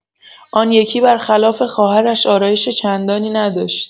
آن یکی بر خلاف خواهرش آرایش چندانی نداشت.